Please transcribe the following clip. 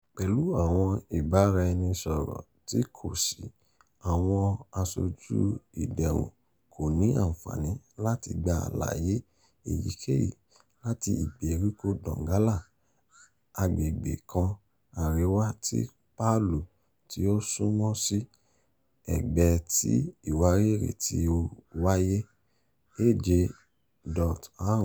Pẹ̀lú àwọn ìbáraẹnisọ̀rọ̀ tí kò sí, àwọn aṣojú ìdẹrùn kò ní ànfàní láti gba àlàyé èyíkèyí láti ìgberíko Donggala, agbègbè kan àríwá ti Palu tí ó súnmọ́ sí ẹ̀gbẹ́ ti ìwárìrì tí wiwa 7.5.